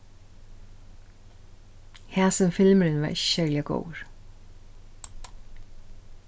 hasin filmurin var ikki serliga góður